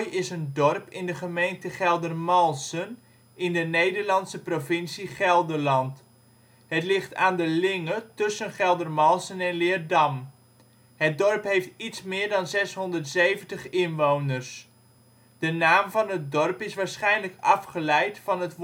is een dorp in de gemeente Geldermalsen in de Nederlandse provincie Gelderland. Het ligt aan de Linge tussen Geldermalsen en Leerdam. Het dorp heeft iets meer dan 670 inwoners. De naam van het dorp is waarschijnlijk afgeleid van het